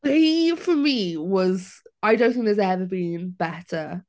He for me was... I don't think there's ever been better.